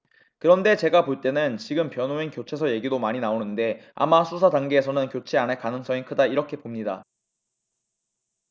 그런데 제가 볼 때는 지금 변호인 교체설 얘기도 많이 나오는데 아마 수사 단계에서는 교체 안 할 가능성이 크다 이렇게 봅니다